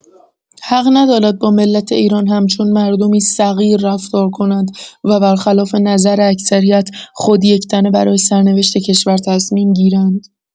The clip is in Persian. حق ندارند با ملت ایران همچون مردمی صغیر رفتار کنند و برخلاف نظر اکثریت، خود یک‌تنه برای سرنوشت کشور تصمیم گیرند.